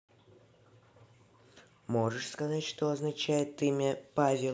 можешь сказать что означает имя павел